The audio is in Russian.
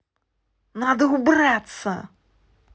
надо убраться